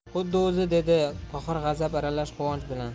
xuddi o'zi dedi tohir g'azab aralash quvonch bilan